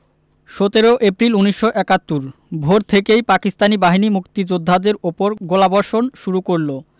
১৭ April ১৯৭১ ভোর থেকেই পাকিস্তানি বাহিনী মুক্তিযোদ্ধাদের উপর গোলাবর্ষণ শুরু করল